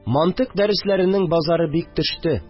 Мантыйк дәресләренең базары бик төште